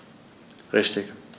Richtig